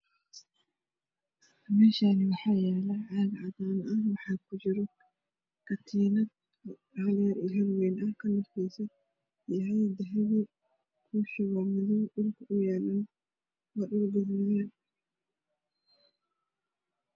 Meshaani waxaa yala caag cadan ah waxaa ku jira katiinad hal yar iyo hal wayn ah kalarkedu yahay dahabi kusha waa madoow dhulka uyalana waa dhuul gasuudan